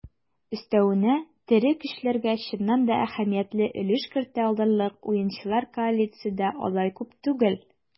Өстәвенә, тере көчләргә чыннан да әһәмиятле өлеш кертә алырлык уенчылар коалициядә алай күп түгел.